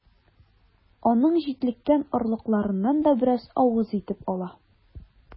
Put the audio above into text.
Аның җитлеккән орлыкларыннан да бераз авыз итеп ала.